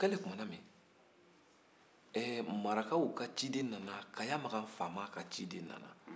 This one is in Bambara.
o kɛlen tumana min marakaw ka ciden nana kaya makan ka ciden nana